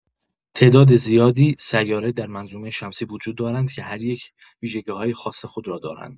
تعداد زیادی سیاره در منظومه شمسی وجود دارند که هر یک ویژگی‌های خاص خود را دارند.